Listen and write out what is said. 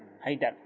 haydara